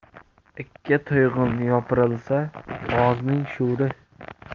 ikki tuyg'un yoprilsa g'ozning sho'ri